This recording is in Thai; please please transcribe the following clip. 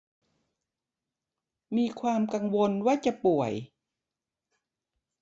มีความกังวลว่าจะป่วย